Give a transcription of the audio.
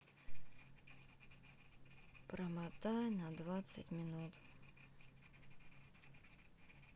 промотай на двадцать минут